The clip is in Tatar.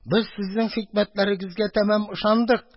Без сезнең хикмәтләрегезгә тәмам ышандык.